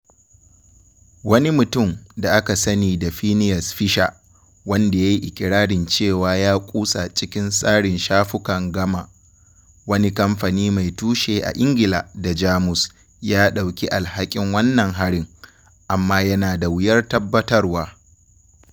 Wani mutum da aka sani da “Phineas Fisher”, wanda ya yi iƙirarin cewa ya kutsa cikin tsarin shafukan Gamma, wani kamfani mai tushe a Ingila da Jamus ya ɗauki alhakin wannan harin, amma yana da wuyar tabbatarwa.